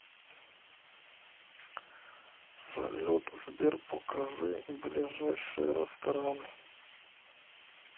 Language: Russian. салют сбер покажи ближайшие рестораны